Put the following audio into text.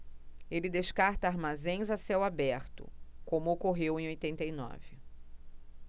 ele descarta armazéns a céu aberto como ocorreu em oitenta e nove